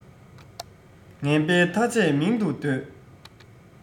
ངན པ ཐ ཆད མིང དུ འདོད